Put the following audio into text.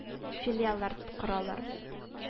Илиаллар коралар